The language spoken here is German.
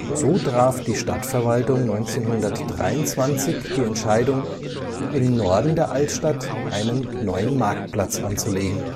So traf die Stadtverwaltung 1923 die Entscheidung, im Norden der Altstadt einen neuen Marktplatz anzulegen